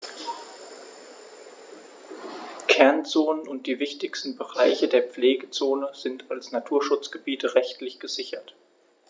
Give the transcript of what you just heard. Kernzonen und die wichtigsten Bereiche der Pflegezone sind als Naturschutzgebiete rechtlich gesichert.